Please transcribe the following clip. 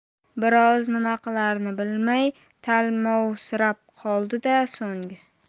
bir oz nima qilarini bilmay talmovsirab turdi da so'ng